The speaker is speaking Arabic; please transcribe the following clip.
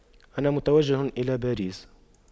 أنا متوجه إلى باريس